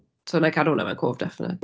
So wna i cadw hwnna mewn cof definite.